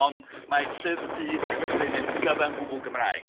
Ond mae Llyfr Du Caerfyrddin yn gyfan gwbl Gymraeg.